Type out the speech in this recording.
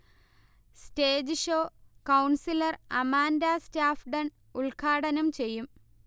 stage show councillor Amanda സ്റ്റാഫ്ഡൺ ഉൽഘാടനം ചെയ്യും